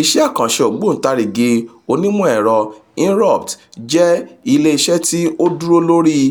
Iṣẹ́ àkànṣe Ògbóǹtarìgì onímọ̀ ẹ̀rọ, Inrupt, jẹ́ ilé iṣẹ́ tí ó dúró lórí i